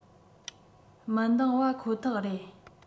མི འདང བ ཁོ ཐག རེད